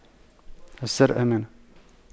السر أمانة